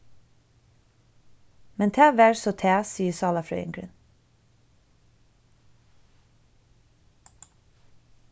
men tað var so tað sigur sálarfrøðingurin